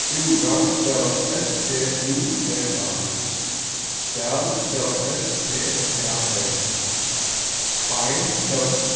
stúra stavast s t ú r a spæl stavast s p æ l bein stavast